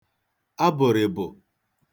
abụ̀rị̀bụ̀